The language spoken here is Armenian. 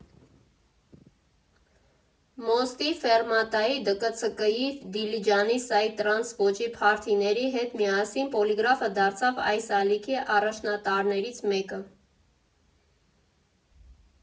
Մոստի, Ֆեռմատայի, ԴԿՑԿ֊ի, Դիլիջանի սայ֊տրանս ոճի փարթիների հետ միասին Պոլիգրաֆը դարձավ այս ալիքի առաջատարներից մեկը։